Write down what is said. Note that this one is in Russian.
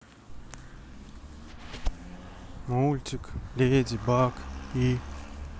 мультик леди баг и